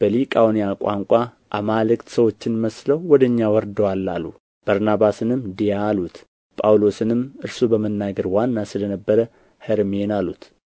በሊቃኦንያ ቋንቋ አማልክት ሰዎችን መስለው ወደ እኛ ወርደዋል አሉ በርናባስንም ድያ አሉት ጳውሎስንም እርሱ በመናገር ዋና ስለ ነበረ ሄርሜን አሉት